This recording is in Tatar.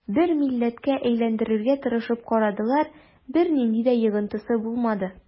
Бер милләткә әйләндерергә тырышып карадылар, бернинди дә йогынтысы булмады.